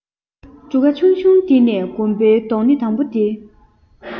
གྲུ ག ཆུང ཆུང འདི ནས གོམ པའི རྡོག སྣེ དང པོ དེ